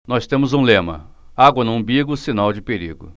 nós temos um lema água no umbigo sinal de perigo